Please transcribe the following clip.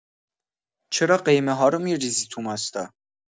چرا قیمه‌ها رو می‌ریزی تو ماستا؟